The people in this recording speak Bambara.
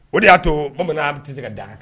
O de y'a to bamanan a bɛ tɛ se ka da